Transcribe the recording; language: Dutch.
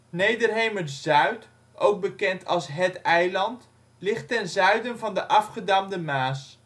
Nederhemert-Zuid (ook bekend als " Het Eiland ") ligt ten zuiden van de Afgedamde Maas